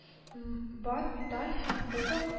М бар медаль һәм кубок